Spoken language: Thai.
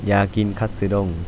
อยากกินคัทสึด้ง